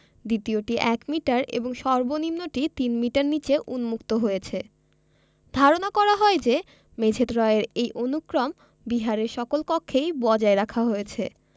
দ্বিতীয়টি ১মিটার এবং সর্বনিম্নটি ৩মিটার নিচে উন্মুক্ত হয়েছে ধারণা করা হয় যে মেঝেত্রয়ের এই অনুক্রম বিহারের সকল কক্ষেই বজায় রাখা হয়েছে